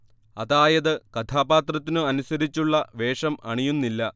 അതായത് കഥാപാത്രത്തിനു അനുസരിച്ചുള്ള വേഷം അണിയുന്നില്ല